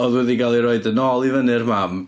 Oedd wedi cael ei roid yn ôl i fyny'r mam.